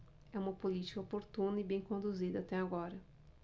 é uma política oportuna e bem conduzida até agora